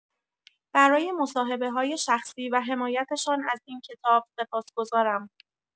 برای مصاحبه‌های شخصی و حمایتشان از این کتاب سپاسگزارم.